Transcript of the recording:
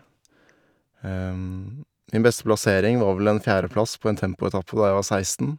Min beste plassering var vel en fjerdeplass på en tempoetappe da jeg var seksten.